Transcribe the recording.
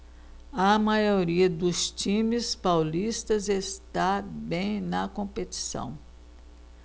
a maioria dos times paulistas está bem na competição